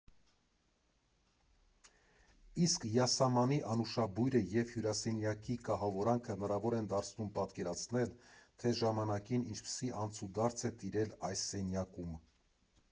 Իսկ յասամանի անուշաբույրը և հյուրասենյակի կահավորանքը հնարավոր են դարձնում պատկերացնել, թե ժամանակին ինչպիսի անցուդարձ է տիրել այս սենյակում։